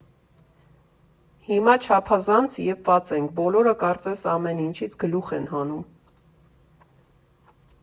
Հիմա չափազանց եփված ենք, բոլորը կարծես ամեն ինչից գլուխ են հանում։